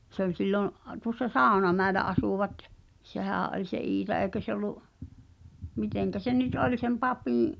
se oli silloin tuossa Saunamäellä asuivat sehän oli se Iita eikö se ollut miten se nyt oli sen papin